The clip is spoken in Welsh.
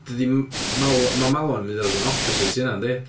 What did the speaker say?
Dydi m- malw... mae malwan yn mynd i fod yn opposite i hynna, yndi?